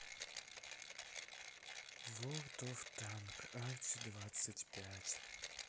ворлд оф танк арти двадцать пять